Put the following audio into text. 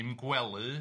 'I'm gwely.'